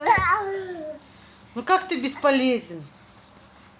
ну так ты бесполезен